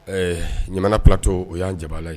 Ɛɛ Ɲamana plateau o y'an jabala ye